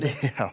ja.